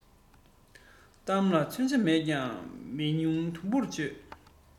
གཏམ ལ ཚོན ཆ མེད ཀྱང མི སྙིང དུམ བུར གཅོད